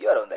yur unda